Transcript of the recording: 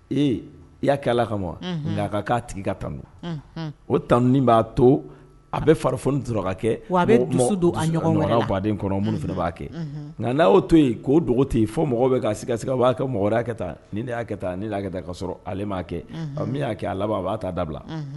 Ee i'a kɛ ala kama'a tigi ka tanun o tanun b'a to a bɛ fara dɔrɔnraka kɛ a donden kɔnɔ minnu b'a kɛ nka n'a y' to yen k'o dugutigi tɛ fɔ mɔgɔ bɛ' si ka se b'a kɛ mɔgɔya kɛ taa ni y'a kɛ taa ni' taa ka sɔrɔ ale m'a kɛ min y'a kɛ a laban a b'a' dabila